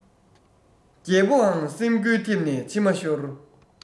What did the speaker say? རྒྱལ པོའང སེམས འགུལ ཐེབས ནས མཆི མ ཤོར